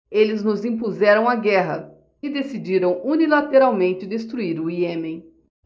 eles nos impuseram a guerra e decidiram unilateralmente destruir o iêmen